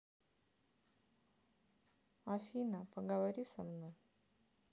афина поговори со мной